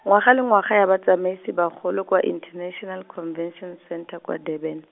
ngwaga le ngwaga ya batsamaisi bagolo kwa International Convention Centre kwa Durban.